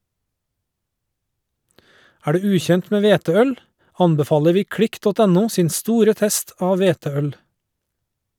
Er du ukjent med hveteøl , anbefaler vi klikk.no sin store test av hveteøl.